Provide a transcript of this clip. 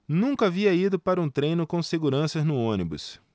nunca havia ido para um treino com seguranças no ônibus